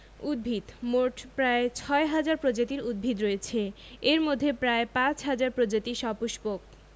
উদ্ভিদঃ মোট প্রায় ৬ হাজার প্রজাতির উদ্ভিদ রয়েছে এর মধ্যে প্রায় ৫ হাজার প্রজাতি সপুষ্পক